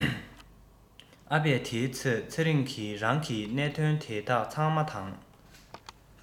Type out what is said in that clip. ཨ ཕས དེའི ཚེ ཚེ རིང གི རང གི གནད དོན དེ དག ཚང མ དང